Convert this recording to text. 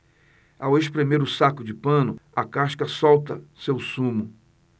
ao espremer o saco de pano a casca solta seu sumo